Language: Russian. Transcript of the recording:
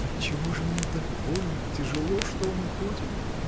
Отчего же мне так больно, тяжело. что он уходит?